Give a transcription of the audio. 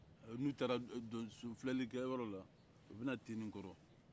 n'u taara don filɛlikɛyɔrɔ la u bɛ na nten nin kɔrɔ